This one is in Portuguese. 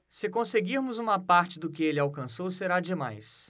se conseguirmos uma parte do que ele alcançou será demais